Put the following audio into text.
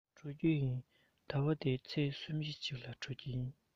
ད དུང སོང མེད ཟླ བ འདིའི ཚེས གསུམ བཞིའི གཅིག ལ འགྲོ གི ཡིན